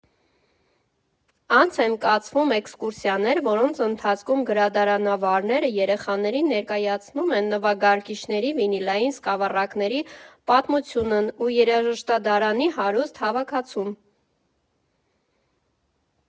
Անց են կացվում էքսկուրսիաներ, որոնց ընթացքում գրադարանավարները երեխաներին ներկայացնում են նվագարկիչների, վինիլային սկավառակների պատմությունն ու երաժշտադարանի հարուստ հավաքածուն։